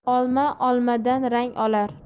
olma olmadan rang olar